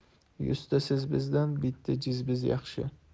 yuzta siz bizdan bitta jiz biz yaxshi